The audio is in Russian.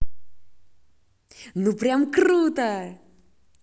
ну прям круто